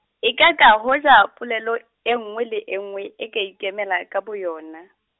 ekaka hoja polelo, e nngwe le e nngwe e ka ikemela ka boyona.